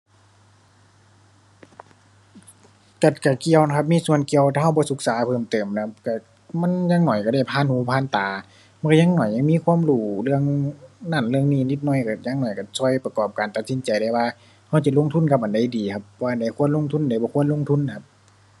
กัด กะ เกี่ยวนะครับ มีส่วนเกี่ยวถ้าเราบ่ศึกษาเพิ่มเติมน่ะ เรา มันอย่างน้อยเราได้ผ่านหูผ่านตา เมื่ออย่างน้อยยังมีความรู้เรื่องนั้นเรื่องนี้นิดหน่อยเราอย่างน้อยเราเราประกอบการตัดสินใจได้ว่า เราจะลงทุนกับอันใดดีครับ ว่าอันใดควรลงทุนใดบ่ควรลงทุนครับ